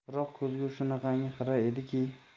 biroq ko'zgu shunaqangi xira ediki